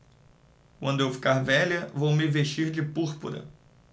quando eu ficar velha vou me vestir de púrpura